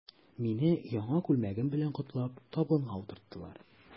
Мине, яңа күлмәгем белән котлап, табынга утырттылар.